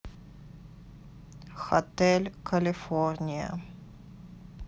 hotel california